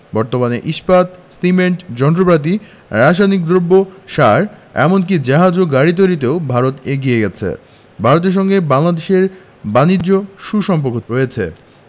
বর্তমানে ইস্পাত সিমেন্ট যন্ত্রপাতি রাসায়নিক দ্রব্য সার এমন কি জাহাজ ও গাড়ি তৈরিতেও ভারত এগিয়ে গেছে ভারতের সঙ্গে বাংলাদেশের বানিজ্যে সু সম্পর্ক রয়েছে